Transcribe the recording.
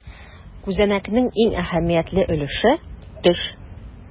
Күзәнәкнең иң әһәмиятле өлеше - төш.